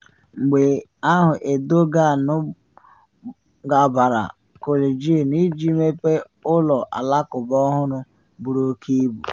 Mgbe ahụ Erdogan gabara Cologne iji mepee ụlọ alakụba ọhụrụ buru oke ibu.